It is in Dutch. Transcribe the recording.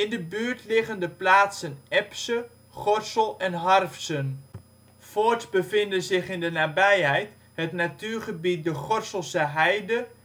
de buurt liggen de plaatsen Epse, Gorssel en Harfsen. Voorts bevinden zich in de nabijheid het natuurgebied de Gorsselse Heide